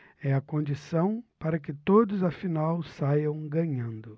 é a condição para que todos afinal saiam ganhando